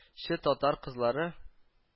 Че татар кызлары